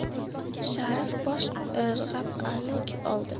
sharif bosh irg'ab alik oldi